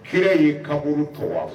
Kira ye kaburu